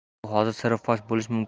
u hozir siri fosh bo'lishi